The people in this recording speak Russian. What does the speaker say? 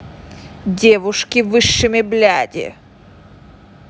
девушки высшими бляди